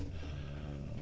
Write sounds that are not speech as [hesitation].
[hesitation] [hesitation]